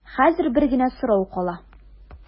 Хәзер бер генә сорау кала.